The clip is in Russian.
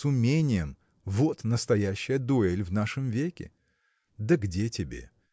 с уменьем – вот настоящая дуэль в нашем веке! Да где тебе!